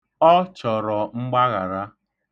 Ọ chọrọ mgbaghara.